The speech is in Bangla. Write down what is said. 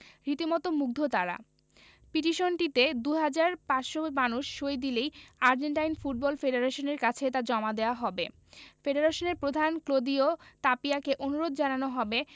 রীতিমতো মুগ্ধ তাঁরা পিটিশনটিতে ২ হাজার ৫০০ মানুষ সই দিলেই আর্জেন্টাইন ফুটবল ফেডারেশনের কাছে তা জমা দেওয়া হবে ফেডারেশনের প্রধান ক্লদিও তাপিয়াকে অনুরোধ জানানো হবে